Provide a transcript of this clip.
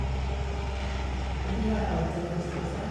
Og de har jeg alltid hatt lyst til å se.